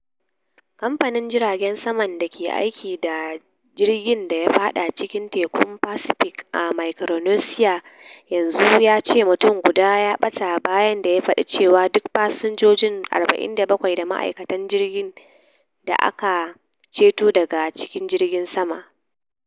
Kamfanin jiragen saman da ke aiki da jirgin da ya fada cikin tekun Pacific a Micronesia yanzu ya ce mutum guda ya bata, bayan da ya fadi cewa duk fasinjoji 47 da ma'aikatan jirgin da aka ceto daga cikin jirgin sama.